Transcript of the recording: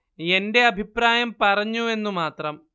എന്റെ അഭിപ്രായം പറഞ്ഞു എന്നു മാത്രം